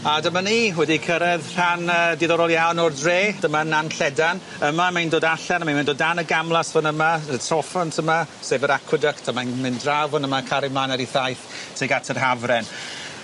A dyma ni wedi cyrredd rhan yy diddorol iawn o'r dre dyma Nant Lledan yma mae'n dod allan a mae'n mynd o dan y gamlas fan yma yy trophant yma sef yr aquaduct a mae'n mynd draw fan yma yn cario mlan ar 'i thaith tuag at yr Hafren.